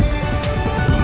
ạ